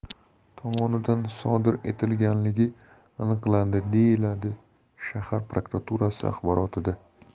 tomonidan sodir etilganligi aniqlandi deyiladi shahar prokuraturasi axborotida